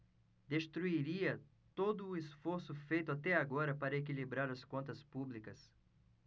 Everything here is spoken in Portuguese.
destruiria todo esforço feito até agora para equilibrar as contas públicas